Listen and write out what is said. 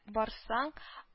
Барсаң